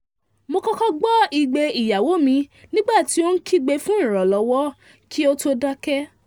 “Mo kọ́kọ́ gbọ́ igbe ìyàwó mi nígbà tí ó ń kígbé fún ìrànlọ́wọ́, kí ó tó dákẹ́.